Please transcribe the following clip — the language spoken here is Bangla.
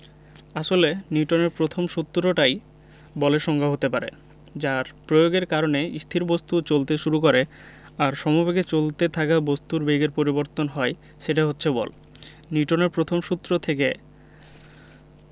আসলে নিউটনের প্রথম সূত্রটাই বলের সংজ্ঞা হতে পারে যার প্রয়োগের কারণে স্থির বস্তু চলতে শুরু করে আর সমবেগে চলতে থাকা বস্তুর বেগের পরিবর্তন হয় সেটাই হচ্ছে বল নিউটনের প্রথম সূত্র থেকে